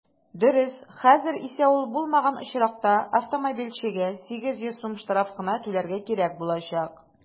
Дөрес, хәзер исә ул булмаган очракта автомобильчегә 800 сум штраф кына түләргә кирәк булачак.